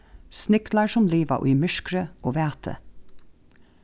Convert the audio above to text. sniglar sum liva í myrkri og vætu